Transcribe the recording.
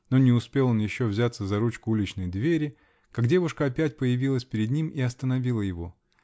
Но не успел он еще взяться за ручку уличной двери, как девушка опять появилась перед ним и остановила его.